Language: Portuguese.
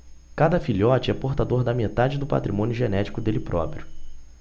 cada filhote é portador da metade do patrimônio genético dele próprio